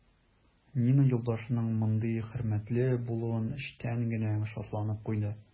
Нина юлдашының мондый хөрмәтле булуына эчтән генә шатланып куйды.